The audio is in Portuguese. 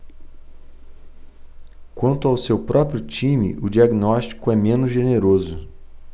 quanto ao seu próprio time o diagnóstico é menos generoso